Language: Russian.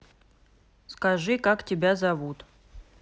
скажи как тебя зовут